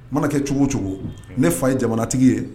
A mana kɛ cogo o cogo, ne fa ye jamanatigi ye